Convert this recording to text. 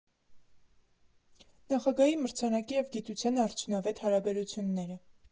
Նախագահի մրցանակի և գիտության արդյունավետ հարաբերությունները։